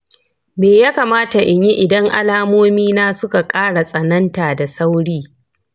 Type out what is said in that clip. me ya kamata in yi idan alamomina suka ƙara tsananta da sauri